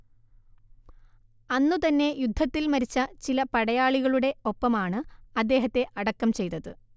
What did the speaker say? അന്നു തന്നെ യുദ്ധത്തിൽ മരിച്ച ചില പടയാളികളുടെ ഒപ്പമാണ് അദ്ദേഹത്തെ അടക്കം ചെയ്തത്